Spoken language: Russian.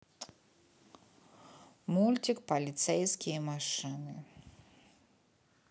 мультик полицейские машины